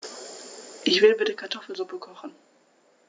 Ich will bitte Kartoffelsuppe kochen.